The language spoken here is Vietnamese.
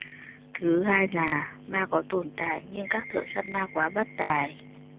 thứ hai là ma có tồn tại nhưng các thợ săn ma quá bất tài